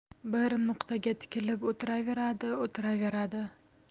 bir nuqtaga tikilib o'tiraveradi o'tiraveradi